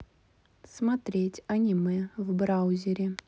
смотреть аниме в браузере